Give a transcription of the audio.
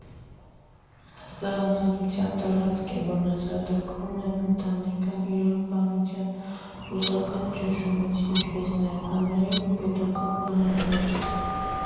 Սա ազատության տարածք է, որն ազատագրում է ընտանեկան իրականության հուզական ճնշումից, ինչպես նաև հանրային ու պետական պահանջներից։